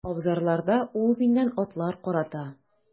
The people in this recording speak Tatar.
Абзарларда ул миннән атлар карата.